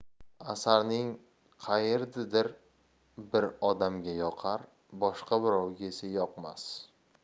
asarning qaeridir bir odamga yoqar boshqa birovga esa yoqmas